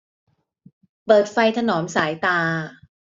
เปิดไฟถนอมสายตา